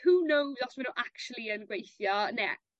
who knows os ma' n'w actually yn gweithio ne' a-